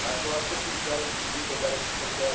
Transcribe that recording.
matbuotda shu ishlarni jiddiy ko'tarib chiqilsa